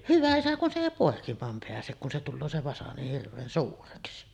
hyvä isä kun se ei poikimaan pääse kun se tulee se vasa niin hirveän suureksi